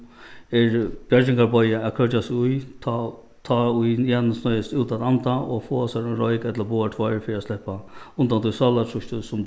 er bjargingarboya at krøkja seg í tá ið janus noyðist út at anda og fáa sær ein royk ella báðar tveir fyri at sleppa undan tí sálartrýsti sum